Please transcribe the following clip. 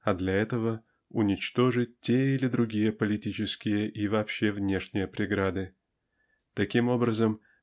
а для этого уничтожить те или другие политические и вообще внешние преграды. Таким образом